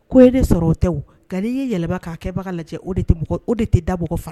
Ko ye de sɔrɔ o tɛ nka'i ye yɛlɛma' kɛbaga lajɛ o de tɛ o de tɛ da bɔ faga